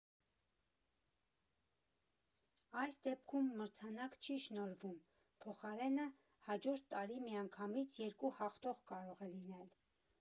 Այս դեպքում մրցանակ չի շնորհվում, փոխարենը՝ հաջորդ տարի միանգամից երկու հաղթող կարող է լինել։